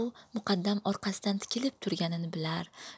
u muqaddam orqasidan tikilib turganini bilar